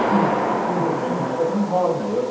Flippin' heck... W, mae genna i rywbeth yn 'y nghorn heddiw!